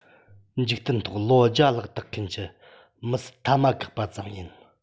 འཇིག རྟེན ཐོག ལོ བརྒྱ ལྷག བརྟན མཁན གྱི མི སྲིད མཐའ མ བཀག པ ཙམ ཡིན